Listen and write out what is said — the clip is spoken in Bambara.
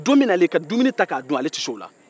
don bɛ nalen ka dumuni ta k'a dun ale tɛ se o la